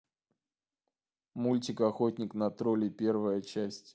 мультик охотник на троллей первая часть